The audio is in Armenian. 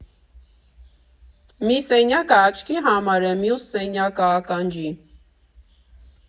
Մի սենյակը աչքի համար է, մյուս սենյակը՝ ականջի։